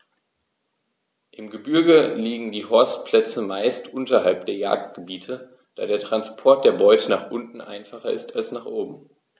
Im Gebirge liegen die Horstplätze meist unterhalb der Jagdgebiete, da der Transport der Beute nach unten einfacher ist als nach oben.